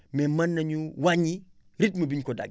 mais mën na ñu wàññi rythme biñu ko daggee